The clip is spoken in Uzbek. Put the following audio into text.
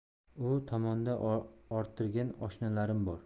u tomonda orttirgan oshnalarim bor